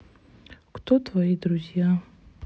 кто твои друзья